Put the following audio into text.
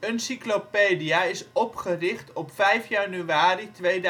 Uncyclopedia is opgericht op 5 januari 2005